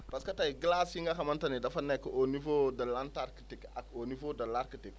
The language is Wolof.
parce que tey glace yi nga xamante ne dafa nekk au niveau de l' Antarctique ak au niveau de l' Arctique